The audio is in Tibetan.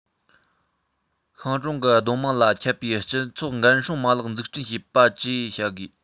ཤང གྲོང གི སྡོད དམངས ལ ཁྱབ པའི སྤྱི ཚོགས འགན སྲུང མ ལག འཛུགས སྐྲུན བྱེད པ བཅས བྱ དགོས